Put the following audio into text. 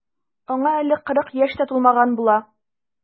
Аңа әле кырык яшь тә тулмаган була.